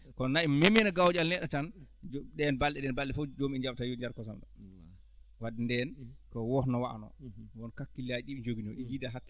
kono nayi memiino gawƴal neɗɗo tan ɗeen balɗe fof jomum en njaɓataa wiide njara kosam ɗam wadde ndeen ko wood no waanoo won kakkillaaji ɗi ɓe njoginoo ɗi njiida hakkille